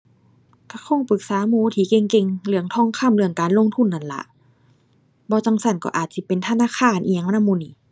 ก็คงปรึกษาหมู่ที่เก่งเก่งเรื่องทองคำ เรื่องการลงทุนนั่นล่ะ บ่จั่งซั้นก็อาจสิเป็นธนาคารอิหยังนำหมู่นี้